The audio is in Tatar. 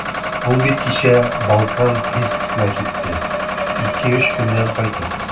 Ул бит кичә «Балкан» приискасына китте, ике-өч көннән кайтыр.